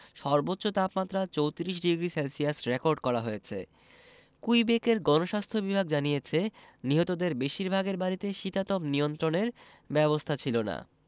সর্বোচ্চ তাপমাত্রা ৩৪ degree Celsius record করা হয়েছে কুইবেকের গণস্বাস্থ্য বিভাগ জানিয়েছে নিহতদের বেশিরভাগের বাড়িতে শীতাতপ নিয়ন্ত্রণের ব্যবস্থা ছিল না